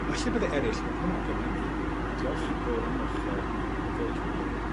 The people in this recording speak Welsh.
Falle bydde eryll beth bynnag am hynny, a diolch yn fowr am 'ych yy am am ddweud hynny,